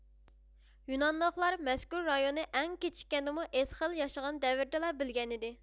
يۇنانلىقلار مەزكۇر رايوننى ئەڭ كېچىككەندىمۇ ئېسخېل ياشىغان دەۋردىلا بىلگەنىدى